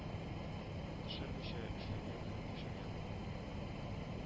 Төшермичә эшләгән һәм яшәгән